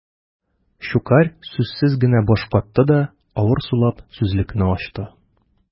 Щукарь сүзсез генә баш какты да, авыр сулап сүзлекне ачты.